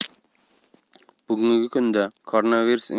bugungi kunda koronavirus